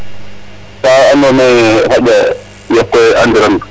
ka andoona yee xaƴa yoq we andiran .